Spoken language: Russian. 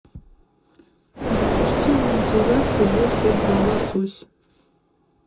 запусти монетизация версия два лосось